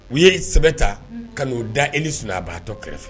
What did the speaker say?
U ye sɛbɛ ta ka n'u da es a batɔ kɛrɛfɛ